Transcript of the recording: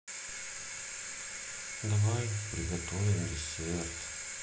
давай приготовим десерт